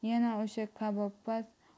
yana o'sha kabobpaz